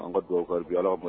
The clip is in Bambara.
An ka dugawu kabi ala